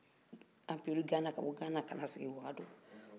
empire de ghana ka bɔ gana kana sigin wagadugu